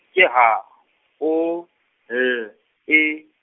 ke H O L E.